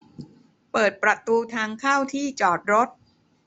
เปิดประตูทางเข้าที่จอดรถ